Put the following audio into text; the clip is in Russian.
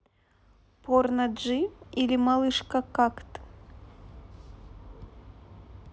порно джи или малышка как ты